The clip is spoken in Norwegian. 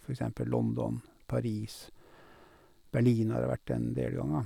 For eksempel London, Paris, Berlin har jeg vært en del ganger.